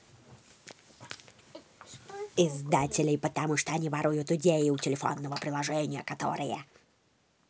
издателей потому что они воруют идеи у телефонного приложения которые